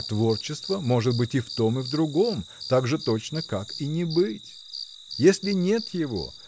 а творчество может быть и в том и в другом так же точно как и не быть. Если нет его